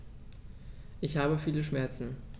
Ich habe viele Schmerzen.